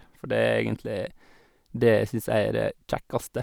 For det er egentlig det jeg syns er det kjekkeste.